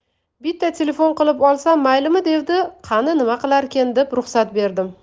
bitta telefon qilib olsam maylimi devdi qani nima qilarkin deb ruxsat berdim